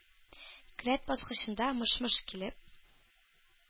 Келәт баскычында мыш-мыш килеп